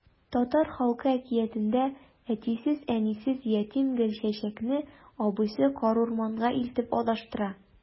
Татар халык әкиятендә әтисез-әнисез ятим Гөлчәчәкне абыйсы карурманга илтеп адаштыра.